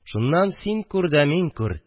Шуннан, син күр дә мин күр